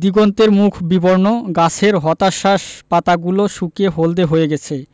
দিগন্তের মুখ বিবর্ণ গাছের হতাশ্বাস পাতাগুলো শুকিয়ে হলদে হয়ে গেছে